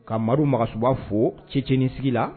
Ka Madu Magasuba fo Ceceni sigi la.